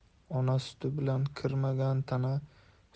ona suti bilan kirmagan